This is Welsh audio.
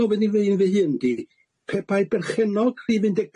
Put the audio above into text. gofyn i fi'n fy hun 'di pe' bai berchenog rhif un deg